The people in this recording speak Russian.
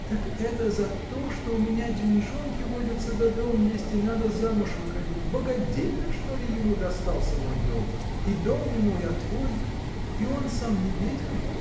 — Так это за то, что у меня деньжонки водятся да дом есть, и надо замуж выходить: богадельня, что ли, ему достался мой дом? И дом не мой, а твой. И он сам не беден.